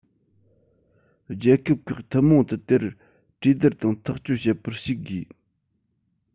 རྒྱལ ཁབ ཁག ཐུན མོང དུ དེར གྲོས བསྡུར དང ཐག གཅོད བྱེད པར ཞུགས དགོས